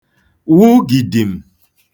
wụ gìdìm̀